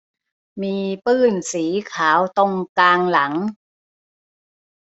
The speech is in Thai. มีปื้นสีขาวตรงกลางหลัง